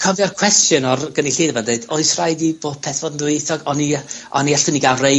cofio'r cwestiwn o'r gynulleidfa'n deud oes raid i bopeth fod y dwyieithog, oni a- oni allwn ni ga'l rei